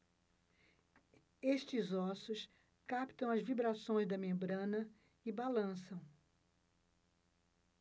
estes ossos captam as vibrações da membrana e balançam